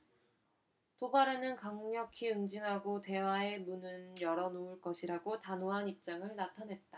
도발에는 강력히 응징하고 대화의 문은 열어 놓을 것이라고 단호한 입장을 나타냈다